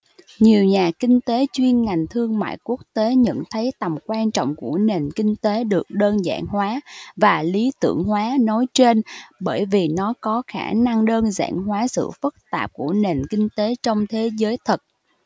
nhiều nhà kinh tế chuyên ngành thương mại quốc tế nhận thấy tầm quan trọng của nền kinh tế được đơn giản hóa và lí tưởng hóa nói trên bởi vì nó có khả năng đơn giản hóa sự phức tạp của nền kinh tế trong thế giới thực